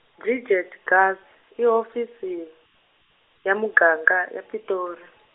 Bridget Gasa, i hofisi, ya muganga ya Pitori.